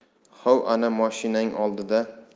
hov ana moshinang oldida